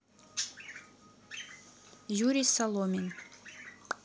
юрий соломин